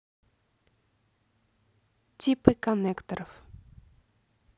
типы коннекторов